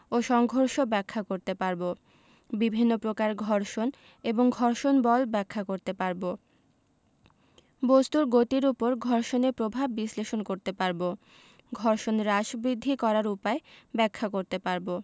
ও সংঘর্ষ ব্যাখ্যা করতে পারব বিভিন্ন প্রকার ঘর্ষণ এবং ঘর্ষণ বল ব্যাখ্যা করতে পারব বস্তুর গতির উপর ঘর্ষণের প্রভাব বিশ্লেষণ করতে পারব ঘর্ষণ হ্রাস বৃদ্ধি করার উপায় ব্যাখ্যা করতে পারব